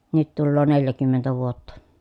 nyt tulee neljäkymmentä vuotta